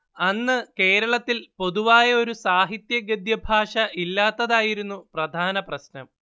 അന്ന് കേരളത്തിൽ പൊതുവായ ഒരു സാഹിത്യ ഗദ്യഭാഷ ഇല്ലാത്തതായിരുന്നു പ്രധാന പ്രശ്നം